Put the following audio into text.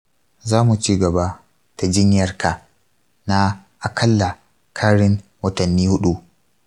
za mu ci gaba da jinyarka na akalla karin watanni huɗu.